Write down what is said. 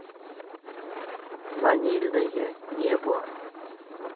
ванильное небо